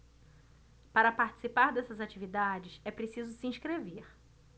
para participar dessas atividades é preciso se inscrever